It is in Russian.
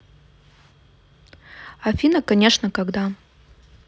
афина конечно когда